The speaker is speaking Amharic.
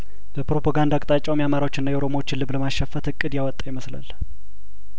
በፕሮፓጋንዳ አቅጣጫውም ያማሮችና የኦሮሞዎችን ልብ ለማሸፈት እቅድ ያወጣ ይመስላል